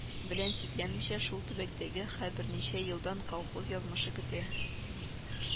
Белән чикләнмичә, шул төбәктәге хаберничә елдан колхоз язмышы көтә